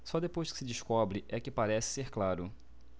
só depois que se descobre é que parece ser claro